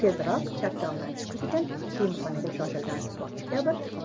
tezroq charchog'ini yozish uchun kiyimxonaga shoshilgan sportchi kabi